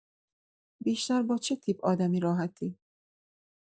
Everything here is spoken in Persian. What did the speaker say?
بیشتر با چه تیپ آدمی راحتی؟